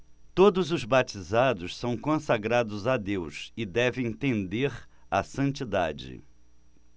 todos os batizados são consagrados a deus e devem tender à santidade